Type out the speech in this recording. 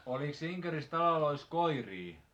olikos Inkerissä taloissa koiria